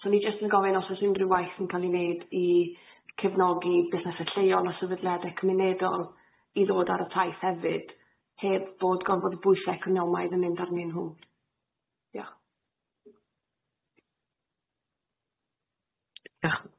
So o'n i jyst yn gofyn os o's unrhyw waith yn ca'l ni neud i cefnogi busnese lleol a sefydliade cymunedol i ddod ar y taith hefyd, heb bod gonfod y bwysa economaidd yn mynd arnyn nhw. Dioch.